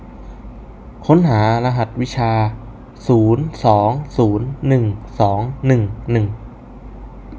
ค้นหารหัสวิชาศูนย์สองศูนย์หนึ่งสองหนึ่งหนึ่ง